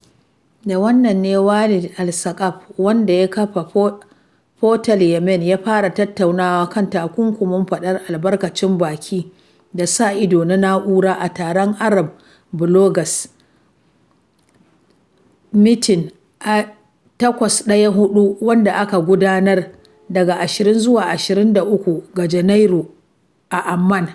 Da wannan ne Walid Al-Saqaf, wanda ya kafa Portal Yemen, ya fara tattaunawa kan takunkumin faɗar albarkacin baki da sa-ido na na'ura a taron Arab Bloggers Meeting #AB14, wanda aka gudanar daga 20 zuwa 23 ga Janairu a Amman.